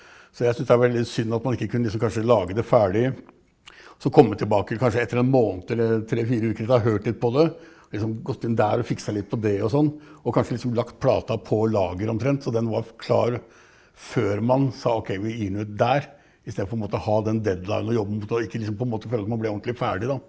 så jeg syns det er veldig synd at man ikke kunne liksom kanskje lage det ferdig også komme tilbake kanskje etter en måned eller tre, fire uker, ta å hørt litt på det og liksom gått inn der og fiksa litt på det og sånn og kanskje liksom lagt plata på lager omtrent, så den var klar før man sa ok vi gir den ut der istedenfor å måtte ha den deadlinen å jobbe med og ikke liksom på en måte føle at man ikke ble ordentlig ferdig da.